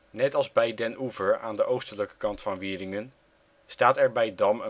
Net als bij Den Oever aan oostelijke kant van Wieringen, staat er bij Dam